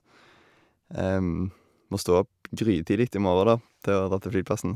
Må stå opp grytidlig i morgen, da, til å dra til flyplassen.